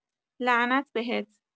لعنت بهت